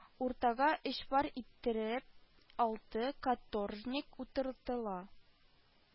Уртага өч пар иттереп алты каторжник утыртыла